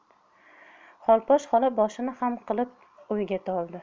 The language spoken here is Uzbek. xolposh xola boshini xam qilib o'yga toldi